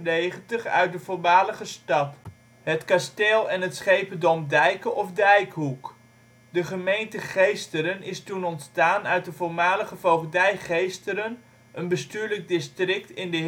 1795 uit de voormalige stad, het kasteel en het schependom Dijcke of Dijkhoek. De gemeente Geesteren is toen ontstaan uit de voormalige voogdij Geesteren, een bestuurlijk district in de